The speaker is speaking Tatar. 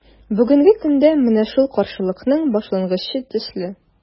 Бүгенге көндә – менә шул каршылыкның башлангычы төсле.